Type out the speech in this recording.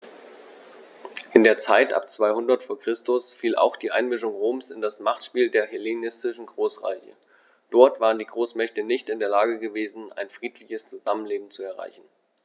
In die Zeit ab 200 v. Chr. fiel auch die Einmischung Roms in das Machtspiel der hellenistischen Großreiche: Dort waren die Großmächte nicht in der Lage gewesen, ein friedliches Zusammenleben zu erreichen.